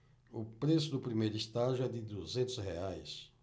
o preço do primeiro estágio é de duzentos reais